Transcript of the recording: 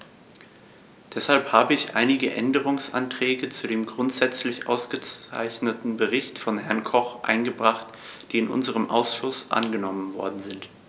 Deshalb habe ich einige Änderungsanträge zu dem grundsätzlich ausgezeichneten Bericht von Herrn Koch eingebracht, die in unserem Ausschuss angenommen worden sind.